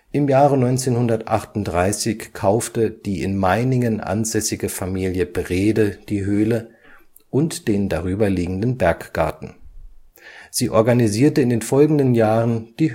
Im Jahre 1938 kaufte die in Meiningen ansässige Familie Breede die Höhle und den darüberliegenden Berggarten. Sie organisierte in den folgenden Jahren die